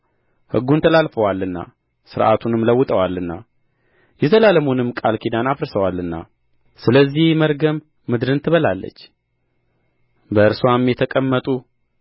ሕጉን ተላልፈዋልና ሥርዓቱንም ለውጠዋልና የዘላለሙንም ቃል ኪዳን አፍርሰዋልና ስለዚህ መርገም ምድርን ትበላለች በእርስዋም የተቀመጡ